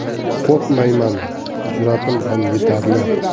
qo'rqmayman juratim ham yetarli